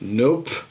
Nope.